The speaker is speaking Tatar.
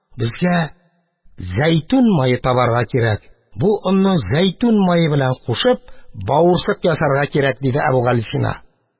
Безгә зәйтүн мае табарга, бу онны зәйтүн мае белән кушып, бавырсак ясарга кирәк, – диде Әбүгалисина.